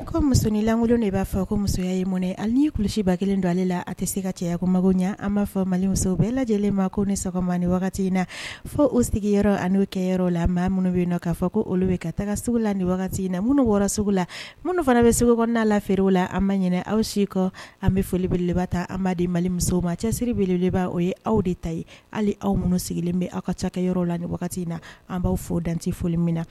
N ka musoninlankolon de b'a fɔ ko musoya in mɔn ale y'i kulusiba kelen don ale la a tɛ se ka cɛ ko mago ɲɛ an b'a fɔ mali muso bɛɛ lajɛ lajɛlenlen ma ko ni sɔgɔma ni wagati in na fɔ o sigi yɔrɔ anio kɛyɔrɔ la maa minnu bɛ yen na k'a fɔ ko olu ye ka taga segu la ni wagati in na minnu wɔɔrɔ sugu la minnu fana bɛ segukoɔrɔn'a la feereerew la an ma ɲɛ aw si kɔ an bɛ folibeleba ta anba de mali musow ma cɛsiriele deba o ye aw de ta ye hali aw minnu sigilen bɛ aw ka cakɛyɔrɔ la ni wagati in na an b' fɔ dante foli min na